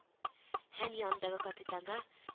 Һәм янындагы капитанга